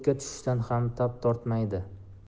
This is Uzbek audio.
tushishdan xam tap tortmaydi